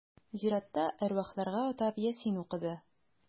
Зиратта әрвахларга атап Ясин укыды.